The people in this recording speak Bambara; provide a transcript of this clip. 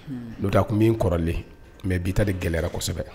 Donda tun bɛ kɔrɔlen mɛ bita gɛlɛ kosɛbɛ